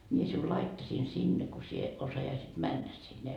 minä sinun laittaisin sinne kun sinä osaisit mennä sinne